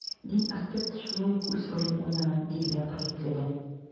Дин аспекты шулай ук үз ролен уйнаган, диделәр полициядә.